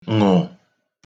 ṅụ̀